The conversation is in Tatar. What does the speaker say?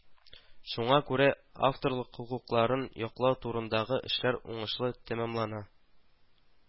Шуңа күрә авторлык хокукларын яклау турындагы эшләр уңышлы тәмамлана